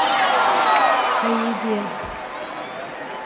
о еде